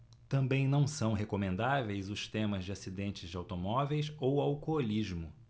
também não são recomendáveis os temas de acidentes de automóveis ou alcoolismo